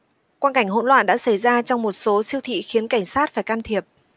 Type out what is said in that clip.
quang cảnh hỗn loạn đã xảy ra trong một số siêu thị khiến cảnh sát phải can thiệp